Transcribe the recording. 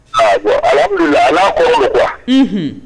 A ala kun ala